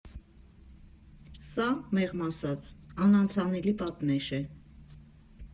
Սա, մեղմ ասած, անանցանելի պատնեշ է։